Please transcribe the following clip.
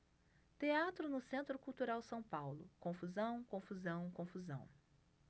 teatro no centro cultural são paulo confusão confusão confusão